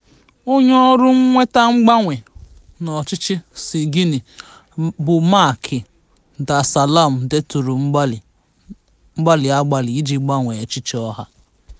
Onye ọrụ mweta mgbanwe n'ọchịchị si Guinea bụ Macky Darsalam deturu mgbali a gbalili iji gbanwee echiche ọha: